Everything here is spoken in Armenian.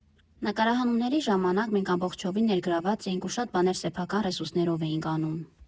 Նկարահանումների ժամանակ մենք ամբողջովին ներգրավված էինք ու շատ բաներ սեփական ռեսուրսներով էինք անում։